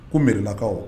Ko mairie lakaw